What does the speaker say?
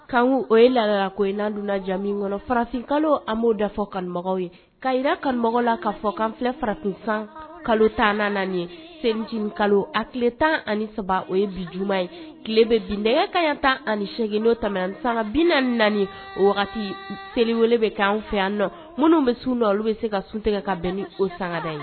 Kan o ye lala ko innan dunja kɔnɔ farafin kalo an b'o da fɔ kanumɔgɔ ye ka jirara kanumɔgɔ la kaa fɔ kanfi fara tun kan kalo tan kalo a tile tan ani saba o ye bi juuma ye tile bɛ binda ka kan tan ani8egin n'o ta san bi naani o wagati seliwele bɛ kɛ fɛ an nɔ minnu bɛ sun don olu bɛ se ka sun tigɛgɛ ka bɛn ni o sangada ye